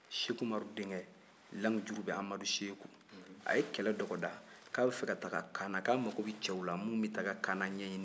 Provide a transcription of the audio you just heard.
seku umaru denkɛ lamijurubɛ amadu seku a ye kɛlɛ dɔgɔda ko a bɛ fɛ ka taa kaana ko a mago bɛ cɛw la minnu bɛ taa kaana ɲɛɲinin